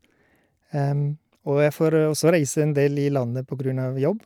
Og jeg får også reise en del i landet på grunn av jobb.